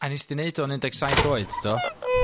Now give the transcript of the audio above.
A nest di neud hwn un deg saith oed, do?